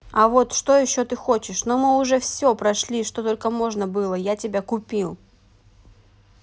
а вот а что еще ты хочешь ну мы уже все прошли что только можно было я тебя купил